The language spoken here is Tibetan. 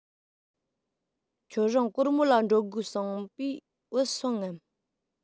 ཁྱོད རང གོར མོ ལ འགྲོ དགོས གསུངས པས བུད སོང ངམ